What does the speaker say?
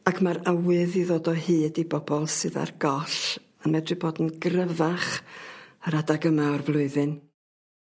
Ac ma'r awydd i ddod o hyd i bobol sydd ar goll yn medru bod yn gryfach yr adag yma o'r flwyddyn.